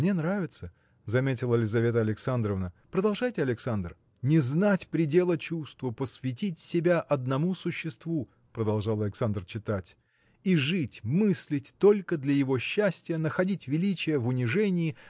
мне нравится, – заметила Лизавета Александровна. – Продолжайте, Александр. Не знать предела чувству посвятить себя одному существу – продолжал Александр читать – и жить мыслить только для его счастия находить величие в унижении